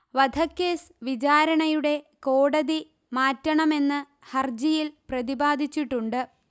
വധക്കേസ് വിചാരണയുടെ കോടതി മാറ്റണമെന്ന്ഹർജിയിൽ പ്രതിപാദിച്ചിട്ടുണ്ട്